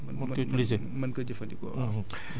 mday mën a mën a téye ndox mi gàncax gi mën koo mën koo